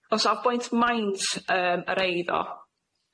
O- yy os a pwynt maint yym yr eiddo